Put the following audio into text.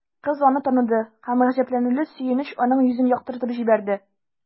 Кыз аны таныды һәм гаҗәпләнүле сөенеч аның йөзен яктыртып җибәрде.